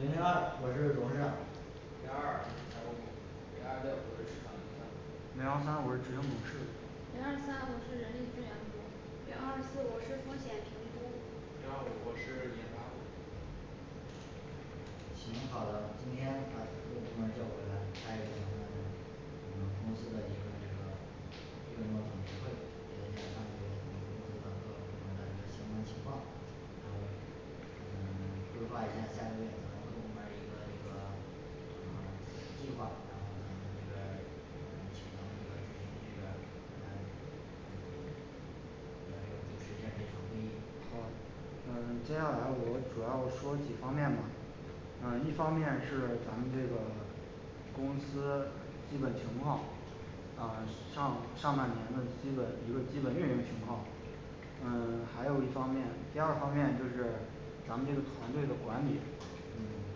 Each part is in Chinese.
零零二我是董事长零二二我是财务部零二六我是市场营销零幺三我是执行董事零二三我是人力资源部零二四我是风险评估零二五我是研发部行好的，今天把各部门儿叫过来，开一个咱们嗯公司的一个这个月末总结会，总结一下儿上个月咱公司的各个部门儿的一个相关情况然后嗯规划一下儿下个月咱们各部门儿一个这个呃计划然后咱们这边儿嗯请咱们这个运营这边儿呃嗯来这个主持一下儿这场会议好嗯接下来我主要说几方面吧嗯一方面是咱们这个公司基本情况啊上上半年的这个一个这个运营情况嗯还有一方面，第二方面就是咱们这个团队的管理整理。嗯然后第三个方面就是这个市场的对这个行业和市场的分析嗯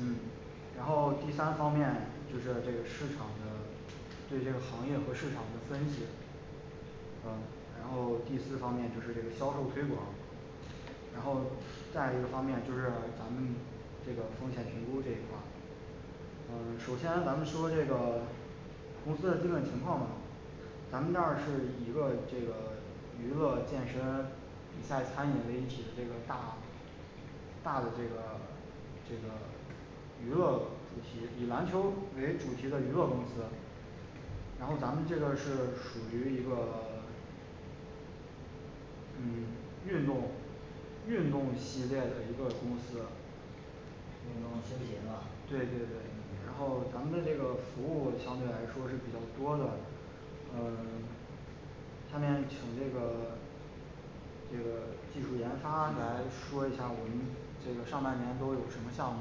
嗯然后第三个方面就是这个市场的对这个行业和市场的分析嗯然后第四方面就是销售推广，然后再一个方面就是咱们这个风险评估这一块儿嗯首先咱们说这个公司的基本情况嘛，咱们这儿是一个这个娱乐健身比赛餐饮类一体的这个大大的这个这个娱乐主题，以篮球为主题的娱乐公司。然后咱们这边儿是属于一个 嗯运动运动系列的一个公司运动休闲吧对对对对嗯然后咱们的这个服务相对来说是比较多的嗯 下面请这个这个技术研发来说一下我们这个上半年都有什么项目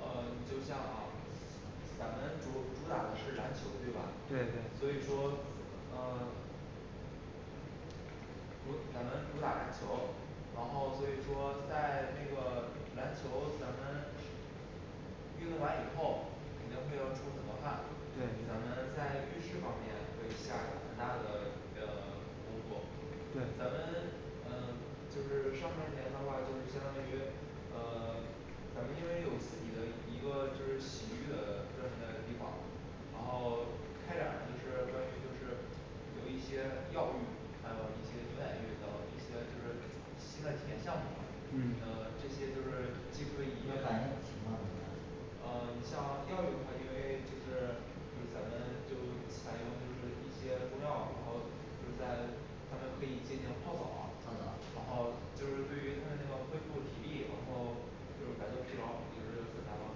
呃就像咱们主主打的是篮球，对吧？对所以说呃主咱们主打篮球，然后所以说在那个篮球咱们运动完以后肯定会要出很多汗，对咱们在浴室方面会下很大的呃功夫咱对们呃就是上半年的话就是相当于呃咱们因为有自己的一个就是洗浴的各种各样的地方然后开展了就是关于就是有一些药浴，还有一些牛奶浴等一些就是新的体验项目吧嗯呃这些就是既这可以反应情况怎么样呃你像药浴的话因为就是就是咱们就采用就是一些中药，然后就是在他们可以进行泡澡，然泡澡儿后就是对于他们那个恢复体力然后就是感觉疲劳就是有很大帮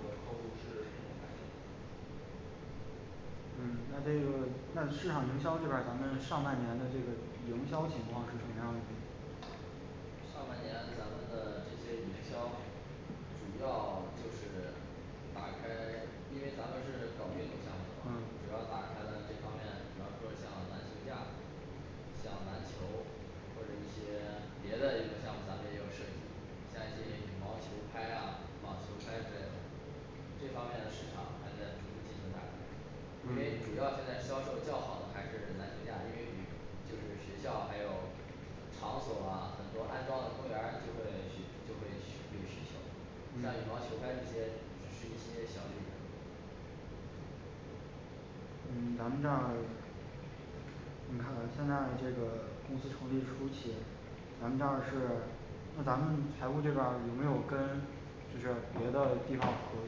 助的，客户是什么反应嗯那这个那市场营销这边儿咱们上半年的这个营销情况是什么样的上半年咱们的这些营销主要就是打开，因为咱们是搞运动项目嘛嗯，主要打开了这方面，比方说像篮球架像篮球或者一些别的运动项目咱们也有设计像一些羽毛球拍啊网球拍之类的，这方面的市场还在逐步进行打开因为嗯主要现在销售较好的还是篮球架因为比就是学校还有场所啊很多安装的公园儿就会需就会需有需求像羽嗯毛球拍这些只是一些小利润嗯咱们这儿你看看现在这个公司成立初期，咱们这儿是那咱们财务这边儿有没有跟就是别的地方合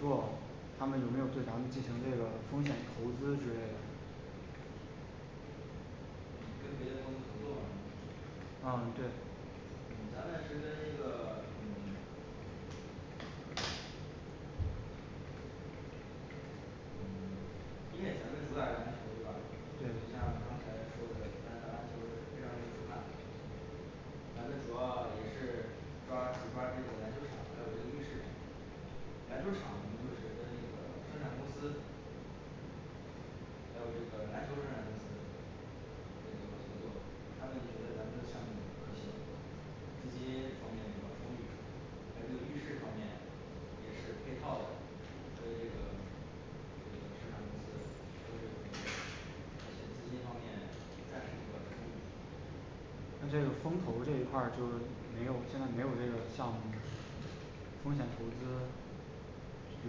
作，他们有没有对咱们进行那个风险投资之类的嗯跟别的公司合作吗您说的是啊对咱嗯们是跟一个嗯因为咱们主打是篮球儿对吧？就是像刚才说的，咱打篮球儿非常容易出汗，咱们主要也是抓主抓这个篮球儿场，还有这个浴室篮球场我们就是跟那个生产公司，还有这个篮球生产公司那个合作，他们觉得咱们这个项目可行嗯，资金方面比较充裕还有这个浴室方面也是配套的跟这个这个生产公司都是有合作的而且资金方面暂时比较充裕那这个风投这一块儿就是没有现在没有这个项目是吗，风险投资，就比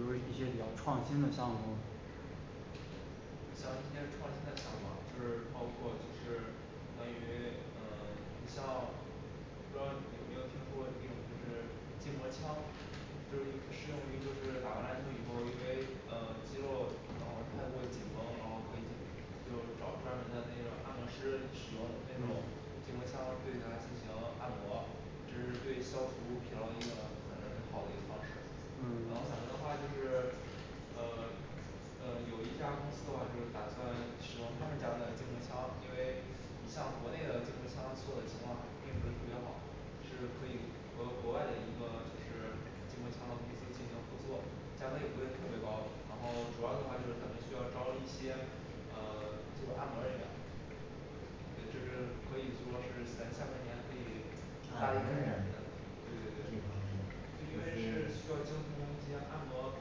如一些比较创新的项目像一些创新的想法，就是包括就是关于嗯你像不知道有没有听说过这种就是筋膜儿枪就是适用于就是打完篮球儿以后，因为呃肌肉然后太过紧绷，然后可以就找专门的那种按摩师使用那种嗯筋膜枪对他进行按摩这是对消除疲劳一个很好的一个方式嗯然后咱们的话就是呃呃有一家公司的话就是打算使用他们家的筋膜枪，因为你像国内的这种枪做的情况并不是特别好是可以和国外的一个就是筋膜枪的公司进行合作，价格也不会特别高，然后主要的话咱们需要招一些嗯就是按摩人员对这是可以说是咱下半年可以对这方对对面的呃因为是需要精通这些按摩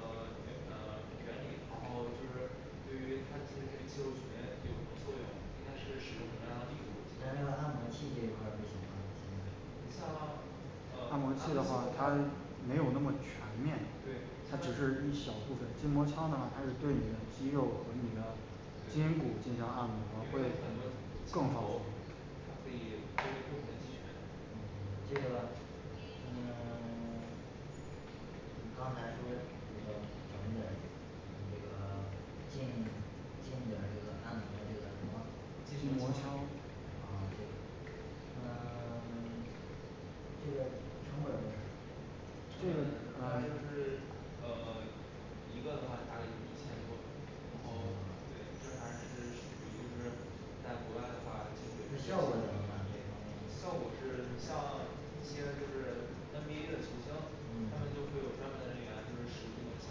呃原 呃原理，然后就是对于他自己肌肉群有什么作用，应该是使用什么样的力咱这个度按摩器这一块儿不行吗？你像呃按按摩摩器器的的话话没有那么全面对，，你那只像是一小部分筋膜枪呢，它是对你的肌肉和你的对筋骨进行按摩对因为有很多枪头他可以推荐不同的机群嗯这个嗯 你刚才说这个成本嗯这个进进点儿这个按摩这个什么筋筋膜膜枪枪啊这个呃 这个成本儿多少成本它就是呃 一个的话大概就是一千多一千多啊对这还是属于就是在国外的话技术也这是效果怎么样这效方果面是像一些就是N B A的球星，嗯他们就会有专门的人员就是使用这个枪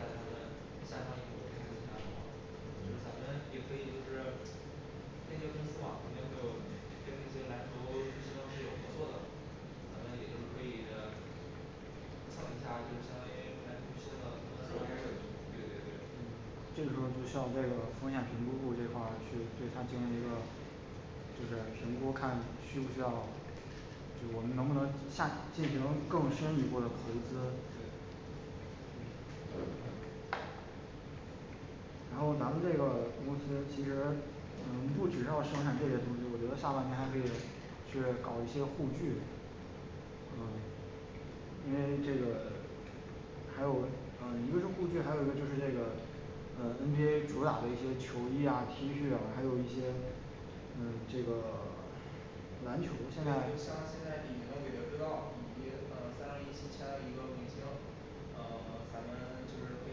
在他们在他们下场以后进行按摩就是嗯咱们也可以就是那些公司嘛肯定会有跟那些篮球互相是有合作的，咱们也就可以蹭一下，就相当于篮球明星的他热们的度热度对对嗯对这个时候不需要风险评估这一块儿去对他进行一个这个就是评估，看需不需要我们能不能下进行更深一步的投资对然后咱们这个公司其实嗯不仅要生产这些东西有的项目儿还可以就是搞一些护具嗯因为这个还有嗯一个是固定，还有一个是这个嗯N B A主打的一些球衣啊T恤啊，还有一些嗯这个篮球对你就现在像现在李宁的韦德之道以及呃三六一新签了一个明星，呃咱们就是可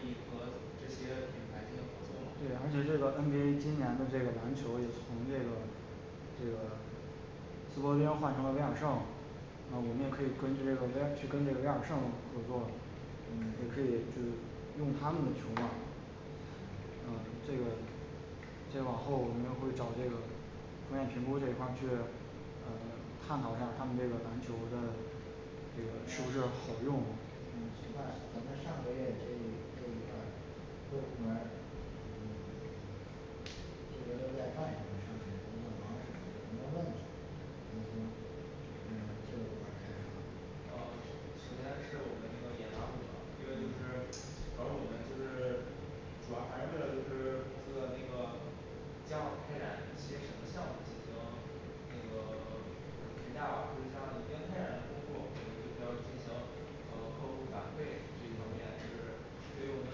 以和这些品牌进行合作嘛，对而且这个N B A今年的这个篮球也从这个这个只不过啊我们也可以根据 V I P的量上的合作，我们可以用他们的权利嗯嗯这个这个往后我们会找这个风险评估这一块儿去嗯探讨下儿他们这个篮球的这个嗯是不是好用嗯那咱们上个月这一这一块儿各部门儿嗯 这边儿都在干什么上个月都在忙什么有什么问题咱从嗯这边儿开始说吧啊首首先是我们这个研发部门儿吧因为就嗯是然后我们就是主要还是为了就是公司的那个将要开展一些什么项目进行那个评价吧，就像已经开展的工作，我们就是要进行呃客户反馈这一方面，就是所以我们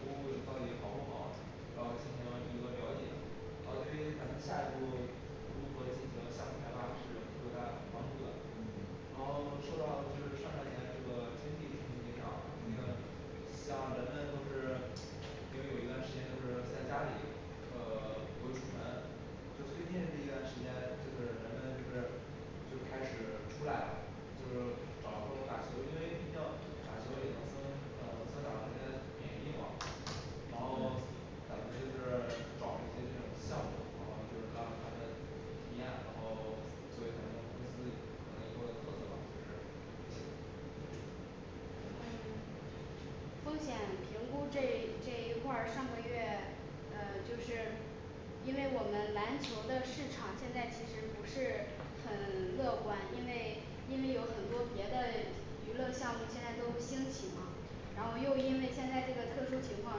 服务到底好不好，然后进行一个了解然后对于咱们下一步如何进行项目开发是有特别大的帮助的。嗯然后受到就是上半年这个经济冲击影响吧因为嗯像人们都是因为有一段时间都是在家里呃不会出门。就最近的这一段时间就是人们就是就开始出来了就是找多人打球，因为毕竟打球也能增嗯增长人的免疫力嘛然后嗯咱们就是找一些这种项目，然后就是让他们体验，然后作为咱们公司可能以后的特色吧就是嗯风险评估这这一块儿，上个月呃就是因为我们篮球的市场现在其实不是很乐观，因为因为有很多别的娱乐项目现在都兴起嘛然后又因为现在这个特殊情况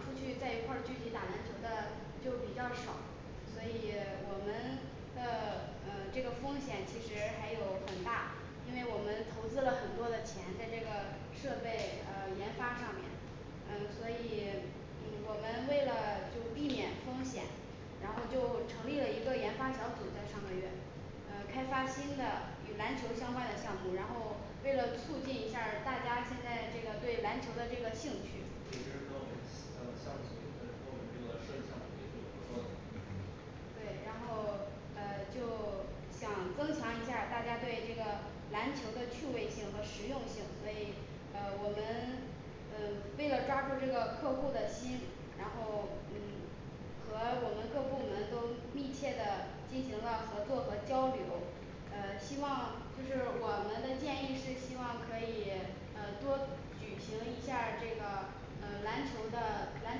出去在一块儿聚集打篮球的就比较少，所以我们的嗯这个风险其实还有很大因为我们投资了很多的钱在这个设备呃研发上面，呃所以嗯我们为了就避免风险然后就成立了一个研发小组，在上个月呃开发新的与篮球相关的项目，然后为了促进一下儿大家现在这个对篮球的这个兴趣，也是跟我们呃项目部也呃跟我们设计项目部也是有合作的嗯对，然后呃就想增强一下儿大家对这个篮球儿的趣味性和实用性，所以呃我们呃为了抓住这个客户儿的心，然后嗯和我们各部门都密切的进行了合作和交流呃希望就是我们的建议是希望可以呃多举行一下儿这个呃篮球儿的篮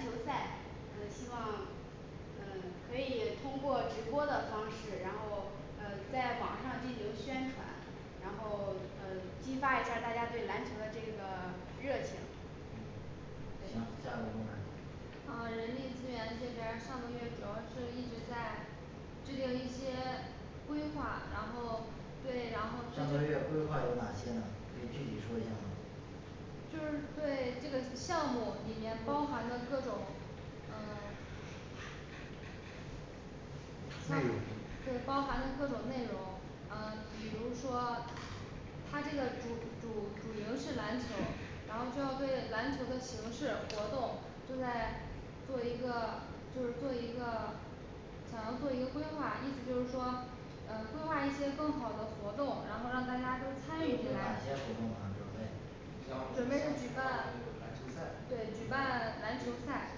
球儿赛，嗯希望嗯可以通过直播的方式，然后嗯在网上进行宣传，然后呃激发一下儿大家对篮球儿的这个热情对行下一个部门儿嗯人力资源这边儿上个月主要是一直在制定一些规划然后对然后上个月规划有哪些呢可以具体说一下吗就是对，这个项目里面包含的各种呃内容像对包含的各种内容嗯比如说他这个主主主营是篮球儿，然后就要对篮球儿的形式活动正在做一个就是做一个想要做一个规划意思就是说嗯规划一些更好的活动，然后让大家都嗯参与进都来哪些活动啊准备准备像举举办办篮球赛对，举办篮球赛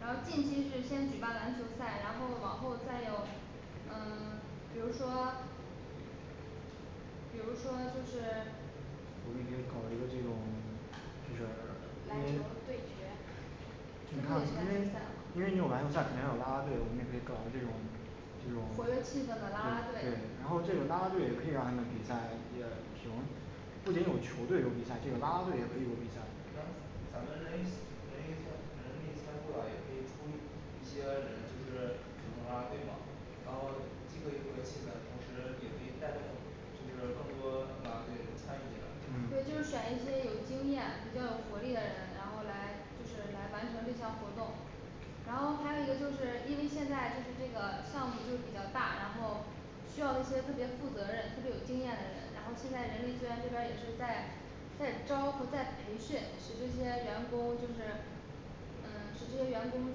然后近期是先举办篮球儿赛，然后往后再有呃比如说比如说就是我们已经考虑过这种就是篮球对决是他因为因为只有篮球赛才有啦啦队我们就可能这种，活跃气氛的啦啦队对然后这种啦啦队也可以让比赛呃停不仅有球队有比赛，这个啦啦队也可以有比赛嗯咱们人力人力资源 人力资源部啊也可以出一一些人就是普通啦啦队嘛？然后既可以活跃气氛同时也可以带动就是更多啦啦队的参与进来我嗯就选一些有经验比较有活力的人，然后来就是来完成这项活动。然后还有一个就是因为现在就是这个项目就比较大，然后需要那些特别负责任特别有经验的人，然后现在人力资源这边儿也是在在招和在培训，使这些员工就是呃使这些员工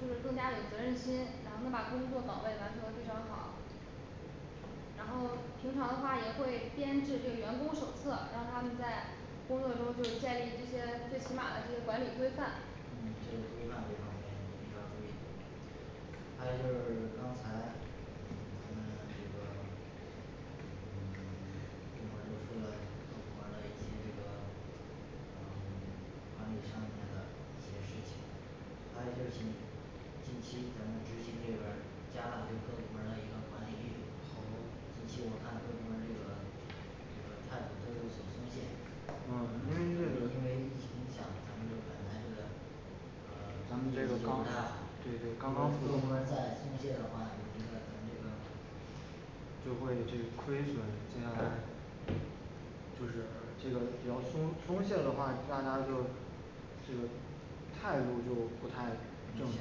就是更加有责任心，然后能把工作岗位完成的非常好然后平常的话也会编制这个员工手册，让他们在工作中就是建立这些最起码的这些管理规范嗯这规范这方面一定要注意还有就是 刚才嗯咱们这个嗯部门儿都说了，各部门儿的一些这个嗯管理上面的一些事情还有就是近近期咱们执行这边儿加大对各部门儿的一个管理力度，行近期我看各部门儿这个这个态度都有所松懈呃因为因为疫情影响咱们这个本来这个呃总体就对不太好，如果各部门儿再松懈的话就觉得咱们这个就会这亏损接下来就是这个比较松松懈的话，大家就这个态度就不太正嗯确，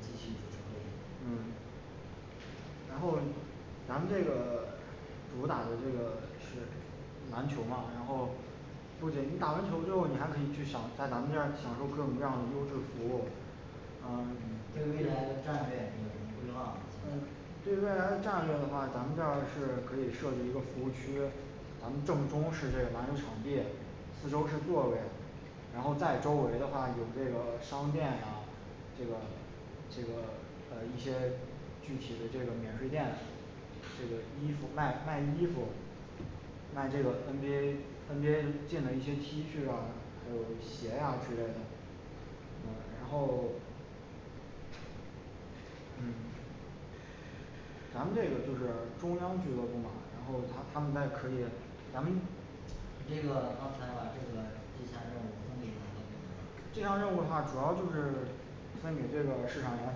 继续主持会议嗯然后就咱这个主打的这个是篮球儿嘛，然后不行，你打完球儿之后，你还可以去享在咱们这儿享受各种各样的优质服务。嗯你对未来的战略你有什么规划吗现嗯在对未来战略的话，咱们这儿是可以设置一个服务区咱们正中是这个篮球场地四周是座位然后再周围的话有这个商店呀，这个这个呃一些具体的这个免税店这个衣服卖卖衣服卖这个N B A N B A进了一些T恤啊，还有鞋呀之类的嗯然后嗯咱们这个就是中央俱乐部嘛，然后他他们在这儿可以。咱们你这个刚才把这个这项任务分给哪个部门啦这项任务的话主要就是分给这个市场研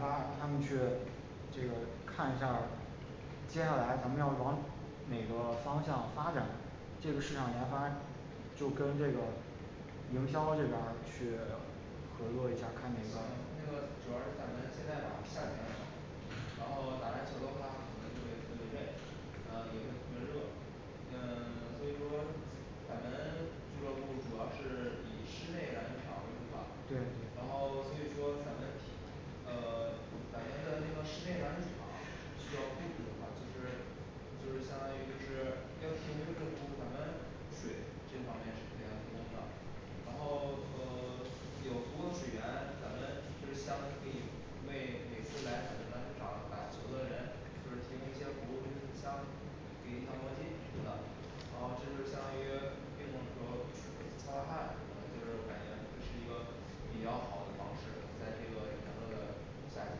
发让他们去这个看一下儿，接下来咱们要往哪个方向发展这个市场研发，就跟这个营销这边儿去合作一下儿，看哪咱们现个在主要是咱们现在吧夏天了嘛，然后打篮球的话可能就会特别累，然后也会特别热嗯 所以说咱们俱乐部主要是以室内篮球场为主吧对然后所以说咱们体呃咱们的那个室内篮球场需要布置的话，就是就是相当于就是要提供优质的服务，咱们水这方面是怎样提供的然后呃 有足够的水源，咱们是相当于可以为每次来咱们篮球场打球的人就是提供一些服务，就是你像给一条毛巾什么的然后这就是相当于运动的时候，擦擦汗什么的，就是我感觉会是一个比较好的方式在这个炎热的夏季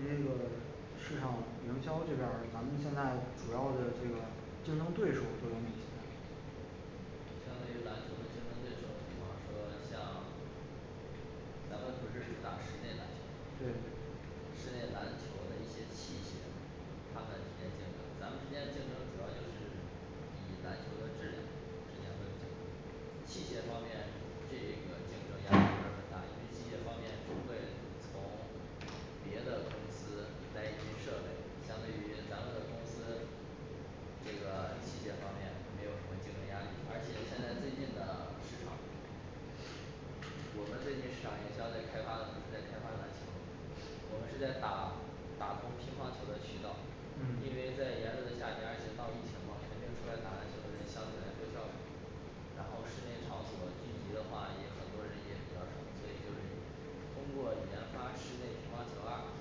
因为我们市场营销这边儿，咱们现在主要的这个竞争对手都有哪些相对于篮球和竞争对手，比方说像咱们不是主打室内篮球嘛。对室内篮球的一些器械。他们之间的竞争，咱们之间的竞争主要就是以篮球儿的质量之间会有竞争器械方面、这个竞争压力不是很大，因为器械方面只会从别的公司来引进设备相对于咱们的公司这个器械方面没有什么竞争压力，而且现在最近的市场我们最近市场营销在开发在开发篮球，我们是在打打通乒乓球的渠道，嗯因为在炎热的夏天，而且闹疫情嘛，所以出来打篮球的人相对来说较少然后室内场所儿聚集的话，也很多人也比较少，所以就是通过研发室内乒乓球儿啊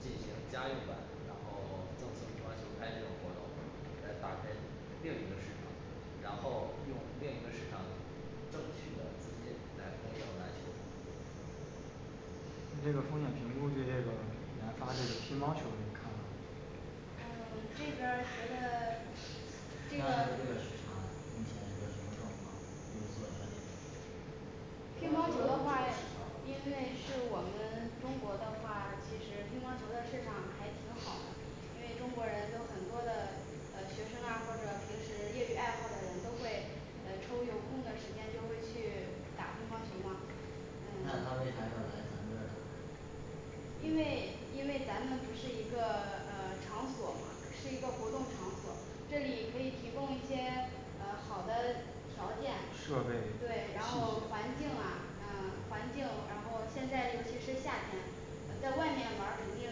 进行家用版，然后赠送乒乓球拍这种活动，来打开另一个市场然后用另一个市场挣取的资金来供应篮球儿这个风险评估对这个研发这个乒乓球儿有什么看法儿嗯这边儿觉得乒这乓球个这个市场目前是个什么状况？有人做了解吗乒乒乓乓球球这的话因个市场为是我们中国的话，其实乒乓球的市场还挺好的因为中国人都很多的呃学生啊或者平时业余爱好的人都会呃抽，有空的时间就会去打乒乓球嘛那嗯他为啥要来咱们这儿呢因为因为咱们不是一个呃场所嘛，是一个活动场所这里可以提供一些呃好的条件设备对，然后环境啊嗯，环嗯境然后现在尤其是夏天，嗯在外面玩儿肯定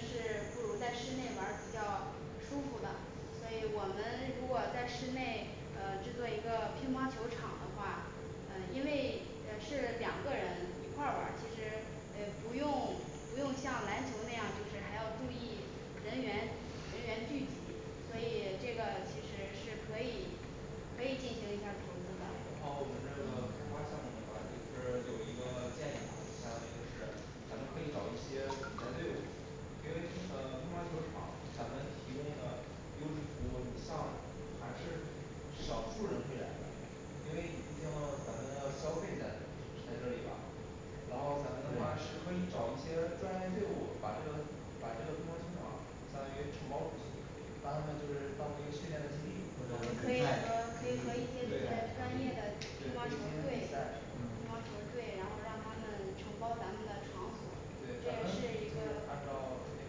是不如在室内玩儿比较舒服的所以我们如果在室内嗯制作一个乒乓球场的话，呃因为嗯是两个人一块儿玩儿，就是呃不用不用像篮球那样，就是还要注意人员人员聚集所以这个其实是可以可以进行一下儿投资的然后我们这个开发项目的话就是有一个建议吧，相当于就是咱们可以找一些比赛队伍因为乒呃乒乓球儿场咱们提供的优质服务以上，还是少数儿人会来的。因为毕竟咱们的消费在在这里吧然后咱们的话对是可以找一些专业队伍，把这个把这个乒乓球场相当于承包出去让他们就是当做一个训练的基地，对或也者可比以和赛可以和一对对些这些专业的对可以乒乓球进行队乒比乓球赛队乒嗯乓球队，然后让他们承包咱们的场所这对咱们也就是一个是按照那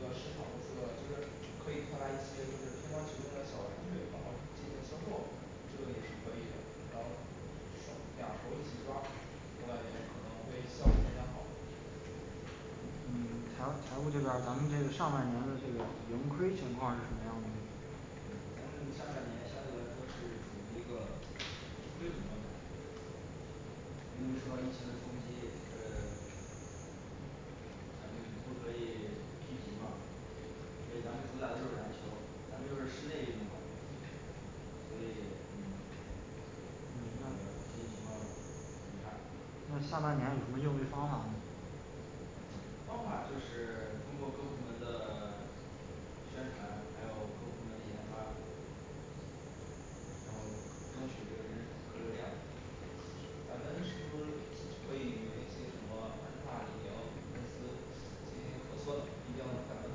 个市场部说的就是可以开发一些就是乒乓球那个小玩具，然后进行销售，这个也是可以的然后双两头儿一起抓，我感觉可能会效果比较好嗯财财务这边儿咱们这个上半年的这个盈亏情况是什么样的呢嗯咱们上半年相对来说是处于一个亏损状态，因为受到疫情的冲击呃咱们不可以聚集嘛，所以咱们主打的又是篮球，咱们又是室内运动馆嗯所以就是那个经营情况很差那下半年有什么业务方法吗？方法就是通过各部门的宣传，还有各部门的研发然后争取这个人客流量咱们是不是可以联系什么安踏李宁公司进行合作呢，毕竟咱们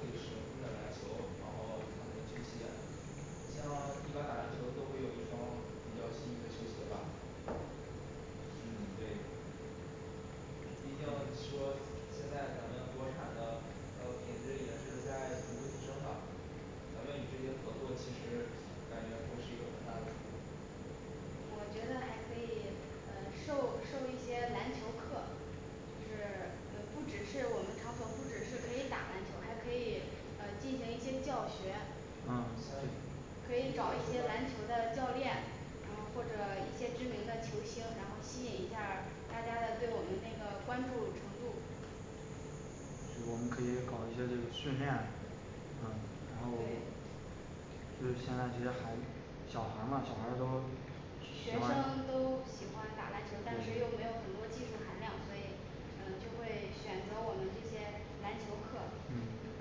可以使用他们的篮球，然后他们的球鞋你像一般打篮球都会有一双比较心仪的球鞋吧嗯对毕竟你说现在咱们国产的呃品质也是在逐步提升的，咱们与这些合作其实感觉不会是一个很大的问题我觉得还可以呃授授一些篮球课，就是嗯不只是我们场所不只是可以打篮球，还可以呃进行一些教学嗯可以可以找一些篮球儿的教练，然后或者一些知名的球星，然后吸引一下儿大家的对我们那个关注程度我们可以搞一些这个训练嗯然后对。就是现在这些孩小孩儿嘛小孩儿都学玩儿生都喜欢打篮球，但是又没有很多技术含量，所以嗯就会选择我们这些篮球课嗯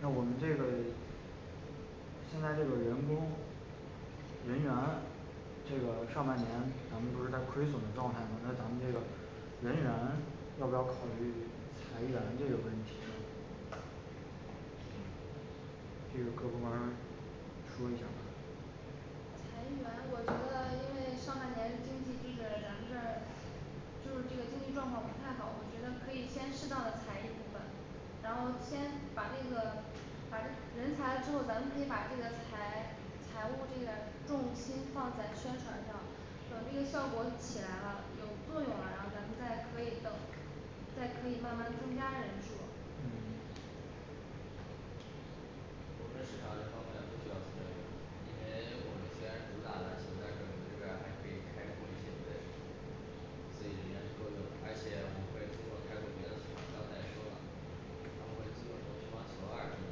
那我们这个现在这个员工人员这个上半年咱们不是在亏损的状态嘛那咱们这个人员要不要考虑裁员这个问题呢这个各部门儿说一下儿吧裁员我觉得因为上半年经济这个咱们这儿就是这个经济状况不太好，我觉得可以先适当的裁一部分然后先把这个把这人裁了之后，咱们可以把这个财财务这个重心放在宣传上等这个效果起来了，有作用了，然后咱们再可以等再可以慢慢儿增加人数儿嗯我们市场这方面不需要裁员，因为我们虽然主打篮球，但是我们这边儿还可以开拓一些别的市场，所以人员是够用的，而且我们会通过开拓别的市场刚才也说了他们会做什么乒乓球案什么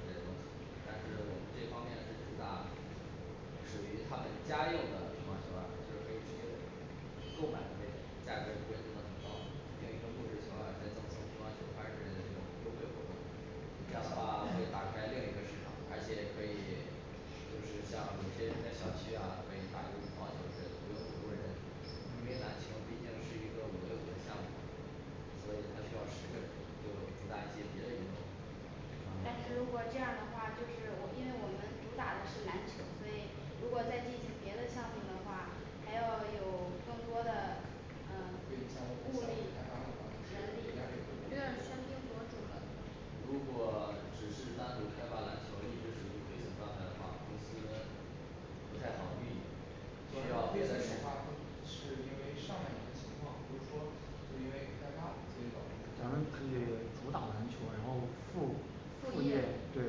之类东西，但是我们这方面是主打属于他们家用的，乒乓球案就是可以直接购买的那种，价格也不会定的很高定一个木质球案再赠送乒乓球拍儿之类的这种优惠活动，这样的话会打开另一个市场，而且也可以就是像有些人在小区啊可以打一个羽毛球儿之类的不用那么多人，因为篮球儿毕竟是一个五V五的项目儿，所以它需要十个人就主打一些别的运动这但方面是如果这样的话，就是因为我们主打的是篮球，所以如果再进行别的项目的话，还要有更多的会影响我们项目开发的嗯物力话，就人是力压力会比有点较儿喧大宾夺主了如果只是单独开发篮球儿，一直处于亏损状态的话，公司不太好运营需要别的市场是因为上半年的情况不是说就是因为开发所以导致咱们可以主打篮球然后副副副业业对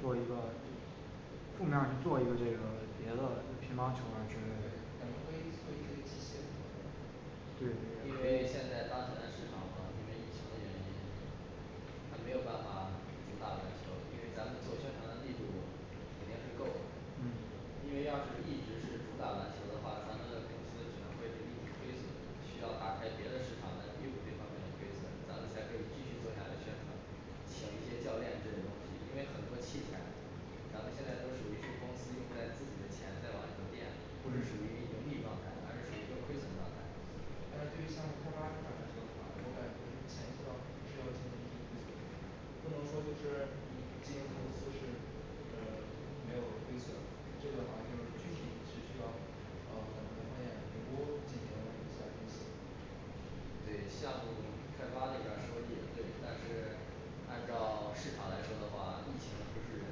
做一个就是尽量做一个这个别的乒乓球啊对之类的咱们可以做一些器械对因为现在当前的市场嘛因为疫情原因嗯请一些教练这些东西，因为很多器材咱们现在都属于是公司用在自己的钱在往里面垫，不是属嗯于盈利状态，而是处于一个亏损状态但是对于项目儿开发这块儿来说的话，我感觉前期都要是要进行不能说就是嗯今天投资是呃没有亏损这个话就是具体是需要呃我们的风险评估进行一下儿分析对项目开发那边儿说的也对，但是按照市场来说的话，疫情不是人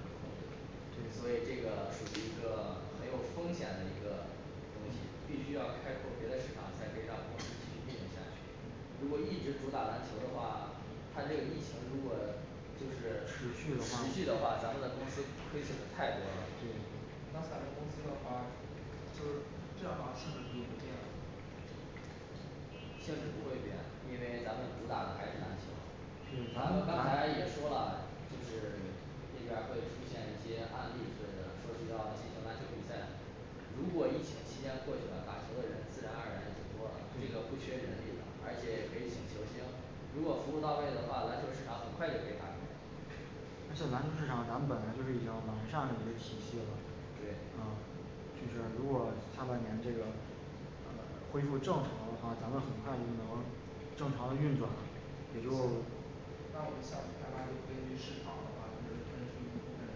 可控制的，所以这个属于一个很有风险的一个东西，必须要开拓别的市场，才可以让公司去运营下去，如嗯果一直主打篮球的话他这个疫情如果就是持持续续的话，咱们的公司就是亏损的太多了对那咱们公司的话就是这样的话性质不就会变了性质不会变，因为咱们主打的还是篮球，嗯咱们刚才也说了，就是那边儿会出现一些案例之类的，说是要进行篮球比赛如果疫情期间过去了，打球儿的人自然而然就多了，这个不缺人力的，而且也可以请球星。如果服务到位的话，篮球儿市场很快就可以打开像篮球市场咱本来就已经完善的一个体系，嗯就是如果他们那个恢复正常的话，咱们很快就能正常的运转对嗯就是如果下半年这个呃恢复正常的话，咱们很快就能正常的运转比如那我们下次开发就根据市场的话，就是分出一部分人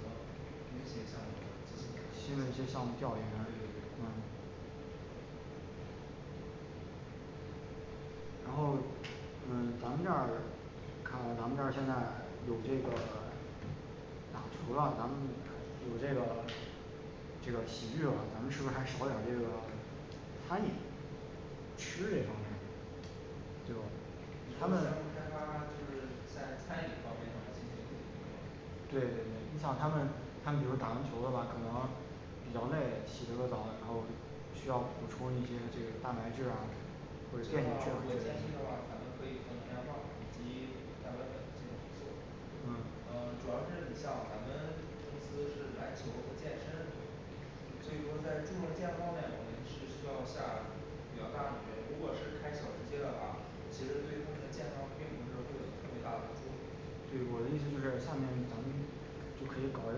手进行那些项目进行新的一些项目调研对对对嗯然后嗯咱们这儿看咱们这儿现在有这个打除了咱们有这个这个洗浴了，咱们是不是还少点儿这个餐饮吃这方面对你说他项目们开发 就是在餐饮方面上出现一些对对对你像他们他们比如打篮球儿的嘛，可能比较累洗了个澡，然后需要补充一些这个蛋白质啊这样的话我建议的话咱们可以和能量化以及咱们等级合作，嗯嗯主要是你像咱们公司是篮球和健身所以说在注重健康方面，我们是需要下比较大的努力，如果是开小吃街的话，其实对他们的健康并不是会有特别大的作用不我的意思是下面咱们就可以搞一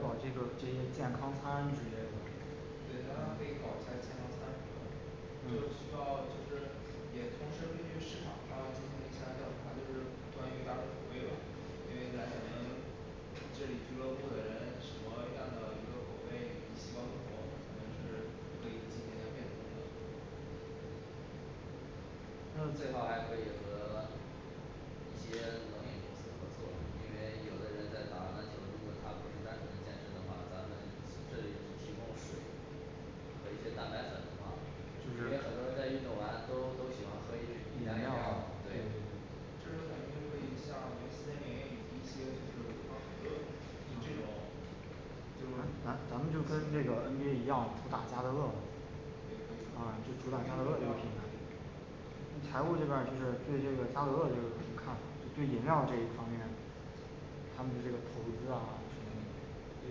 搞这个这些健康餐之类的。对，咱还可以搞一下儿健康餐什么的。就需要就是也同时根据市场上进行了一下儿调查，就是关于大众口味吧，因为来咱们这里俱乐部的人什么样的一个口味习惯不同，可能是可以进行一下变通的嗯这块儿还可以和一些冷饮公司合作，因为有的人在打篮球，如果他不是单纯健身的话，咱们这里只提供水，和一些蛋白粉的话因为很多人在运动完，都都喜欢喝一瓶饮凉饮料料儿嘛儿对这时候咱们就可以向森林以及一些就是无糖可乐就这种就是咱咱们就跟这个N B A一样，主打佳得乐啊就主打佳得乐这个品牌财务这边儿就是对这个佳得乐这个有什么看法，就对饮料儿这一方面，他们的这个投资啊什么的对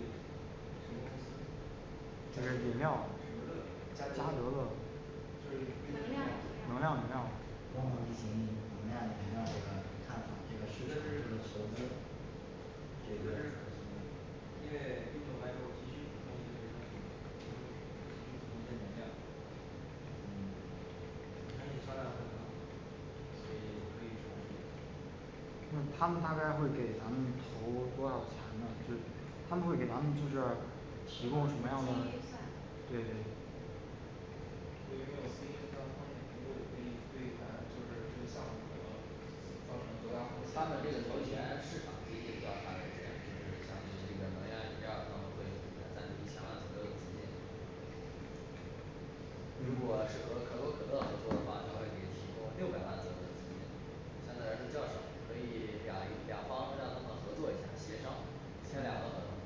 什么公司那是饮料什么乐佳佳得乐能能量量饮料饮料功能型能量饮料这个看法这个这个投资这我觉得是个因为运动完以后急需补充一些维生素，比方急需补充一些能量嗯可以销量很高，所以我可以尝试一下嗯他们大概会给咱们投多少钱呢？对他们会给咱们就是使啊用什么资金预算对我觉得也可以让风险评估也可以对一下就是这个项目可能造成多大风他险们这个投钱市场经济的调查来讲，就是相对于能量饮料儿可能会在一千万左右的资金如果是和可口可乐合作的话，他会给提供六百万左右的资金，他的是这样的可以两两方让他们合作一下儿协商签两个合同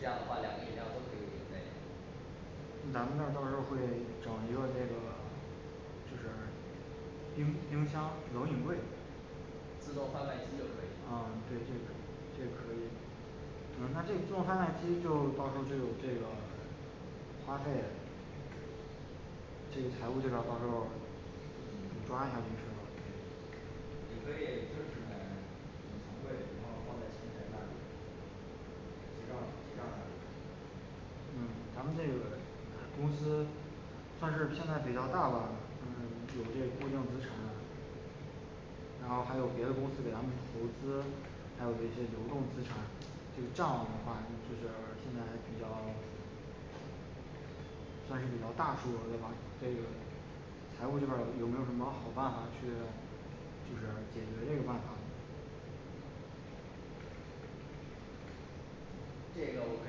这样的话两个饮料儿都可以卖那到时候会找一个这个就是。冰冰箱和冷柜自动贩机卖就可以了啊对。这这个可以嗯那这个自动贩卖机就包括这这个花费这个财务这边儿到时候，你嗯抓一下这个对也可以就是在五层柜然后放在前台那里结账结账那里嗯咱们那个公司算是现在比较大了，嗯有些不动资产然后还有别的公司咱们子公司，还有一些流动资产这个账目的话就是现在比较算是比较大规模的吧这个财务这边儿有没有什么好办法去就是解决这个办法这个我可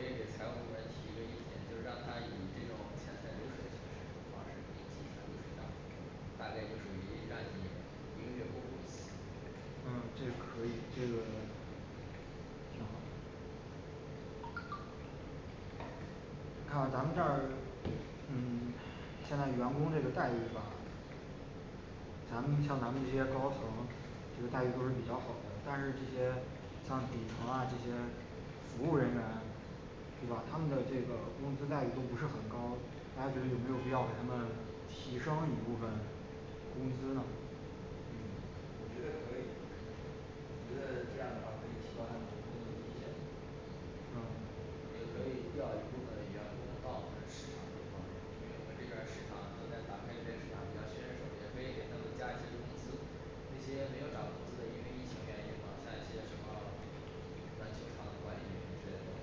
以给财务部门提一个意见，就是让他以这种现在这种形式方式进行大概就属于一个计算你一个月工资。嗯这个可以这个看咱们这儿现在员工这个待遇吧咱们像咱们这些高层这个待遇都是比较好的，但是这些像底层啊这些服务人员对吧？他们的这个工资待遇都不是很高，大家觉得有没有必要给他们提升一部分工资呢嗯我觉得可以我觉得这样的话可以提高他们的工作积极性嗯也可以调一部分员工到我们市场这方面，这边儿市场还在打开这个市场给他宣传，也可以给他们加一些工资那些没有涨工资的，因为疫情原因嘛咱这个什么呃，咱这方面管理对我们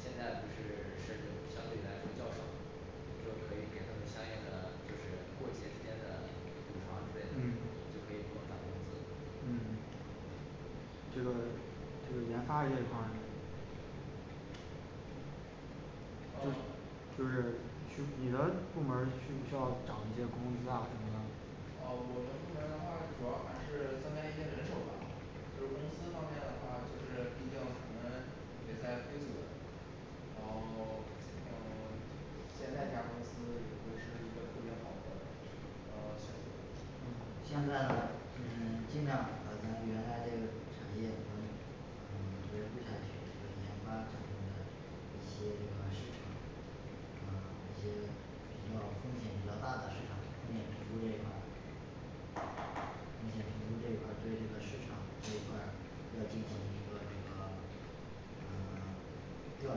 现在不是设施相对来说较少就是可以给他们相应的就是过节之间的补偿之类的嗯，就可以不用涨工资嗯这个这个研发这一块儿就是啊就是去你的部门儿需不需要涨一些工资啊什么的啊我们部门儿的话主要还是增加一些人手吧，这个工资方面的话就是毕竟嗯也是按规则的然后 嗯 现在加工资也不是一个特别好的嗯这个嗯现在呢就是尽量把咱原来这个产业维嗯维护下去和研发产品的一些这个市场嗯一些比较风险比较大的市场风险评估这一块儿，目前评估这一块儿对这个市场这一块儿要进行一个这个呃调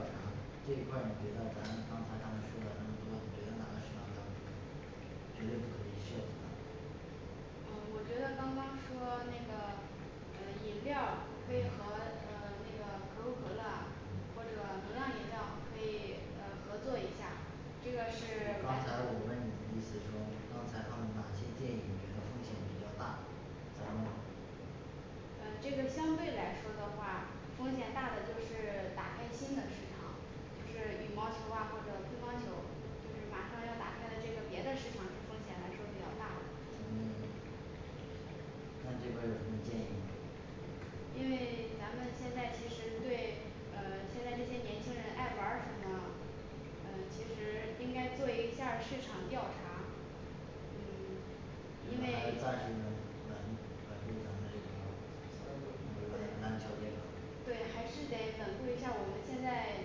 查这一块儿你觉得咱刚才他们说的那么多，你觉得哪个市场咱绝对不可以涉及到嗯我觉得刚刚说那个呃饮料儿可以嗯和呃那个可口可乐啊或嗯者能量饮料儿可以呃合作一下儿这个是我刚才我问你意思说刚才他们哪些建议你觉得风险比较大咱们嗯这个相对来说的话，风险大的就是打开新的市场，就是羽毛球啊或者乒乓球，就是马上要打开的这个别的市场风险还是说比较大什么意思那这边儿有什么建议吗因为咱们现在其实对呃现在这些年轻人爱玩儿什么，嗯其实应该做一下儿市场调查嗯觉因得为还是暂时稳稳固咱们这个呃嗯篮篮对球这个对，还是得稳固一下儿我们现在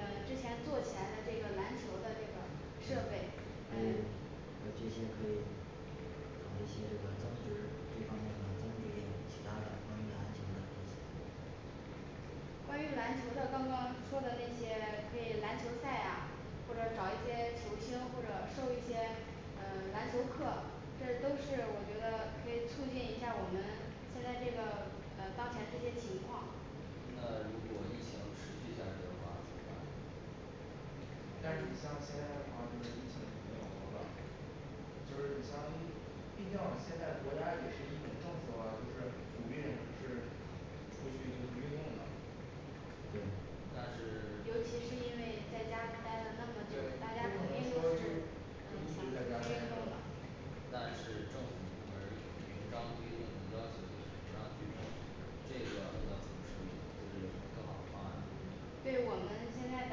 呃之前做起来的这个篮球的这个嗯设可以备呃嗯这些可以找一些这个增值这方面的增值业务，其他的关于篮球的这些关于篮球的刚刚说的那些可以篮球儿赛啊或者找一些球星或者授一些嗯篮球课这都是我觉得可以促进一下儿我们现在这个呃当前这些情况那如果疫情持续下去的话怎么办但是你像现在的话疫，就是情没有好转就是你相当于毕竟现在国家也是一种政策的话，就是鼓励人们是出去就是运动的对，但是尤其是因为在家呆了那么久对，不大家可肯能定说都就是就一嗯直想在出家去运呆动着的但是政府部门儿明章规定的要求就是不让聚众这个要怎么处理呢，就是有什么更好的方案呢嗯对我们现在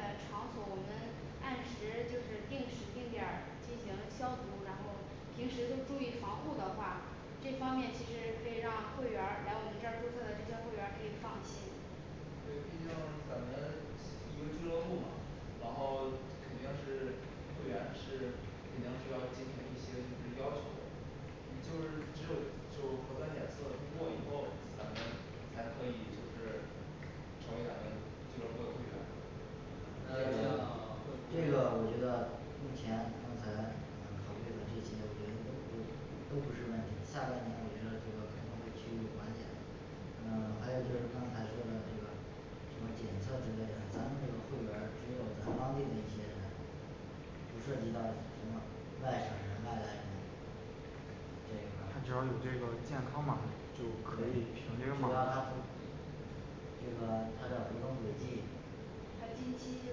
的场所，我们按时就是定时定点儿进行消毒，然后平时都注意防护的话，这方面其实可以让会员儿来，我们这儿注册的这些会员儿可以放心对，毕竟咱们一个俱乐部嘛，然后肯定是会员是肯定是要进行一些就是要求的就是只有就核酸检测通过以后，咱们才可以就是成为咱们俱乐部儿的会员嗯那这要个这样会这不会个我觉得目前刚才嗯考虑的这些我觉得都不都不是问题，下半年我觉得这个肯定会趋于缓解的嗯还有就是刚才说的那个什么检测之类的，咱们这个会员儿只有咱当地的一些人，不涉及到什么外省人外来人这一块儿只要有这种健康码的就对可以，就只没有要他不这个他的活动轨迹他近期就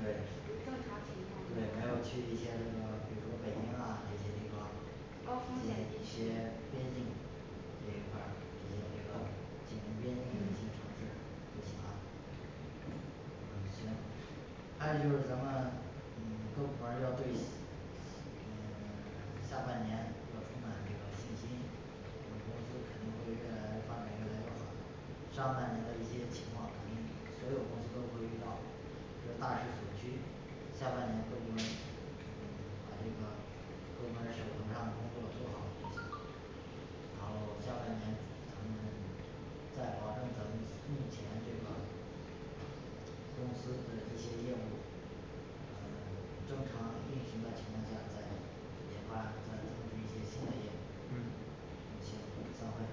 是属于正常情对况没有去一些这个比如北京啊这些地方高风像险一地区些边境这一块儿你像这个近边境这些城市就行了嗯行还有就是咱们嗯各部门儿要对嗯 下半年要充满这个信心我们公司肯定会越来发展越来越好的。上半年的一些情况，肯定所有公司都会遇到这大势所趋下半年各部门儿嗯把这个各部门儿手头儿上的工作做好就行然后下半年咱们在保证咱们目前这个公司的一些业务嗯正常运行的情况下，再研发再增值一些新的业务嗯嗯行，散会